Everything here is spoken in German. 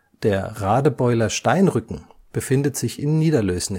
Der Radebeuler Steinrücken befindet sich in Niederlößnitz